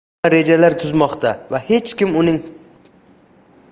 hamma rejalar tuzmoqda va hech